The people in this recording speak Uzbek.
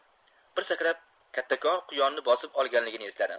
bir sakrab kattakon quyonni bosib olganligini esladi